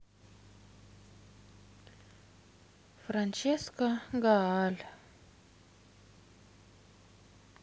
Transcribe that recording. франческо гааль